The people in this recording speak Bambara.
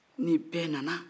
ni bɛɛ nana